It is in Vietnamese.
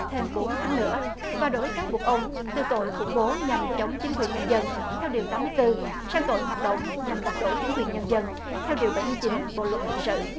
thêm bốn tháng nữa và đuổi cáo buộc ông từ tội khủng bố nhằm chống chính quyền nhân dân theo điều tám mươi tư sang tội hoạt động nhằm lật đổ chính quyền nhân dân theo điều bảy mươi chín bộ luật hình sự